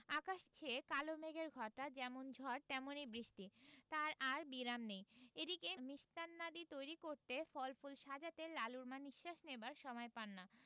আকাশ ছেয়ে কালো মেঘের ঘটা যেমন ঝড় তেমনি বৃষ্টি তার আর বিরাম নেই এদিকে মিষ্টান্নাদি তৈরি করতে ফল ফুল সাজাতে লালুর মা নিঃশ্বাস নেবার সময় পান না